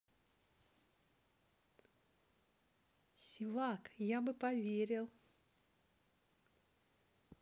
sevak я бы поверил